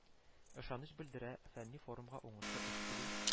Ышаныч белдерә, фәнни форумга уңышлы эш тел